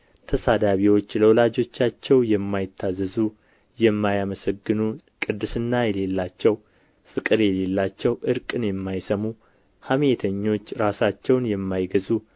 ተሳዳቢዎች ለወላጆቻቸው የማይታዘዙ የማያመሰግኑ ቅድስና የሌላቸው ፍቅር የሌላቸው ዕርቅን የማይሰሙ ሐሜተኞች ራሳቸውን የማይገዙ